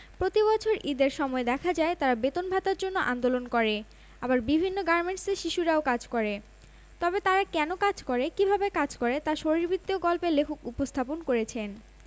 তৌকীর আহমেদ পরিচালিত হালদা ও আকরাম খান পরিচালিত খাঁচা চলচ্চিত্র এছাড়াও উৎসবের মাস্টার চলচ্চিত্র বিভাগে বাংলাদেশ থেকে মনোনীত হয়েছে মোরশেদুল ইসলাম পরিচালিত আঁখি ও তার বন্ধুরা